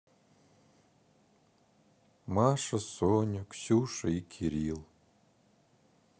маша соня ксюша и кирилл